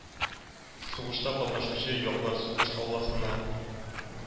Сугышта катнашучы яклар сугыш алласына